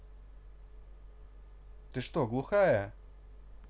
ты что глухая